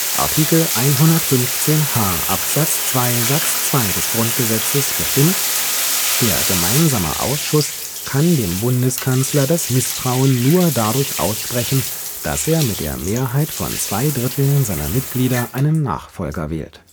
Artikel 115 h Absatz 2 Satz 2 GG bestimmt: „ Der Gemeinsame Ausschuß kann dem Bundeskanzler das Misstrauen nur dadurch aussprechen, dass er mit der Mehrheit von zwei Dritteln seiner Mitglieder einen Nachfolger wählt